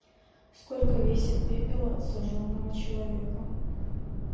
сколько весит пепел от сожженного человека